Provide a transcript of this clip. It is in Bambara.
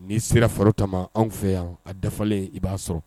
N'i sera farikolo ta anw fɛ yan a dafalen i b'a sɔrɔ